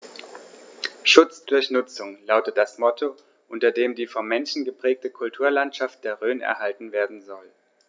„Schutz durch Nutzung“ lautet das Motto, unter dem die vom Menschen geprägte Kulturlandschaft der Rhön erhalten werden soll.